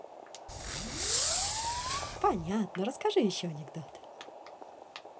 понятно расскажи еще анекдот